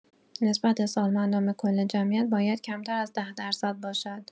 نسبت سالمندان به‌کل جمعیت باید کمتر از ۱۰ درصد باشد.